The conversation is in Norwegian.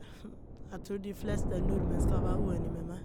Jeg tror de fleste nordmenn skal være uenig med meg.